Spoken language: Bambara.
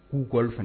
K'u fana